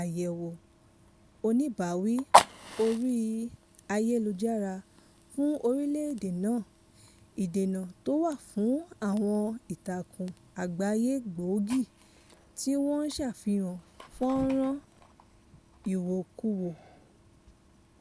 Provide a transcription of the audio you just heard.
àyẹ̀wò oníbàáwí orí ayélujára fún orílẹ̀-èdè náà, ìdènà ti wà fún àwọn ìtakùn àgbáyé gbóògì tí wọ́n ń ṣàfihàn fọ́nràn ìwòkuwò.